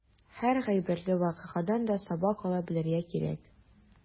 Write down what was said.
Һәр гыйбрәтле вакыйгадан да сабак ала белергә кирәк.